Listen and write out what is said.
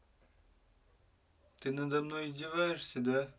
ты надо мной издеваешься да